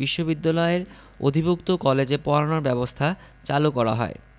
বিশ্ববিদ্যালয়ের অধিভুক্ত কলেজে পড়ানোর ব্যবস্থা চালু করা হয়